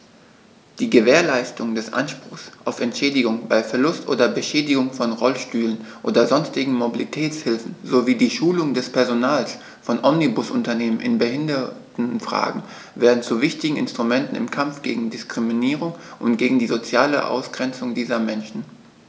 Die Gewährleistung des Anspruchs auf Entschädigung bei Verlust oder Beschädigung von Rollstühlen oder sonstigen Mobilitätshilfen sowie die Schulung des Personals von Omnibusunternehmen in Behindertenfragen werden zu wichtigen Instrumenten im Kampf gegen Diskriminierung und gegen die soziale Ausgrenzung dieser Menschen.